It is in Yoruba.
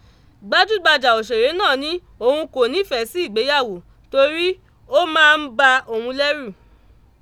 Gbajúgbajà òṣèré náà ní óun kò nífẹ̀ẹ́ sí ìgbéyàwó torí ó máa ń ba òun lẹ́rù.